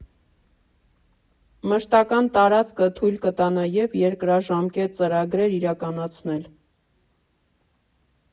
Մշտական տարածքը թույլ կտա նաև երկարաժամկետ ծրագրեր իրականացնել։